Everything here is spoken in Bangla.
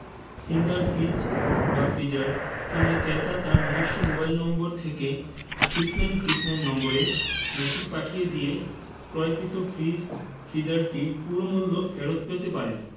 সিঙ্গার ফ্রিজ/ফ্রিজার কিনে ক্রেতা তার নিজস্ব মোবাইল নম্বর থেকে ৬৯৬৯ নম্বরে ম্যাসেজ পাঠিয়ে দিয়ে ক্রয়কৃত ফ্রিজ/ফ্রিজারটির পুরো মূল্য ফেরত পেতে পারেন